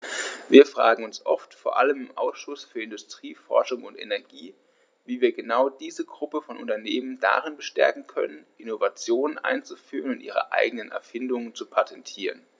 Wir fragen uns oft, vor allem im Ausschuss für Industrie, Forschung und Energie, wie wir genau diese Gruppe von Unternehmen darin bestärken können, Innovationen einzuführen und ihre eigenen Erfindungen zu patentieren.